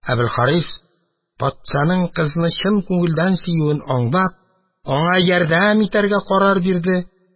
Әбелхарис, патшаның кызны чын күңелдән сөюен аңлап, аңа ярдәм итәргә карар бирде: